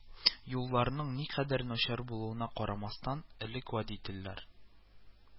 Юлларның никадәр начар булуына карамастан, элек водительләр